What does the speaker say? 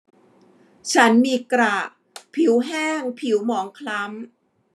ฉันมีกระผิวแห้งผิวหมองคล้ำ